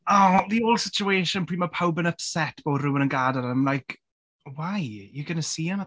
O the old situation pryd mae pawb yn upset bod rhywun yn gadael and I'm like "Why? You're going to see him..."